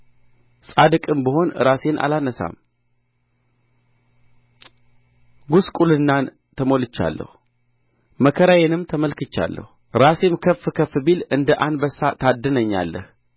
ጻድቅም ብሆን ራሴን አላነሣም ጕስቍልናን ተሞልቻለሁ መከራዬንም ተመልክቻለሁ ራሴም ከፍ ከፍ ቢል እንደ አንበሳ ታድነኛለህ